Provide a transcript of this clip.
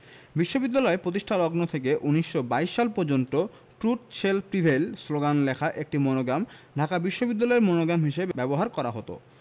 বিশ্ববিদ্যালয় প্রতিষ্ঠালগ্ন থেকে ১৯২২ সাল পর্যন্ত ট্রুত শেল প্রিভেইল শ্লোগান লেখা একটি মনোগ্রাম ঢাকা বিশ্ববিদ্যালয়ের মনোগ্রাম হিসেবে ব্যবহার করা হতো